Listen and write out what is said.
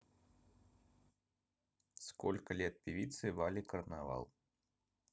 сколько лет певице вали карнавал